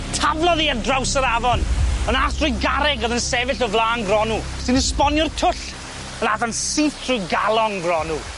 Taflodd 'i ar draws yr afon on' ath trwy garreg o'dd yn sefyll o flan Gronw sy'n esbonio'r twll on' ath o'n syth drw galon Gronw.